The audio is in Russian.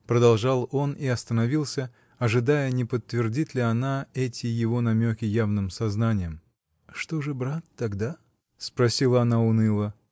— продолжал он и остановился, ожидая, не подтвердит ли она эти его намеки явным сознанием. — Что же, брат, тогда? — спросила она уныло.